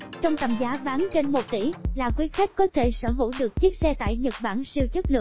trong tầm giá bán trên tỷ là quý khách có thể sở hữu được chiếc xe tải nhật bản siêu chất lượng